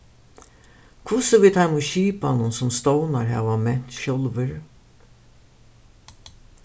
hvussu við teimum skipanum sum stovnar hava ment sjálvir